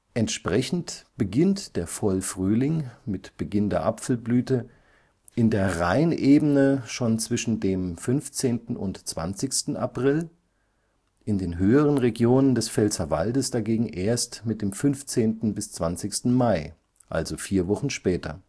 Entsprechend beginnt der Vollfrühling (Beginn der Apfelblüte) in der Rheinebene schon zwischen dem 15. und 20. April, in den höheren Regionen des Pfälzerwaldes dagegen erst mit dem 15. bis 20. Mai, also vier Wochen später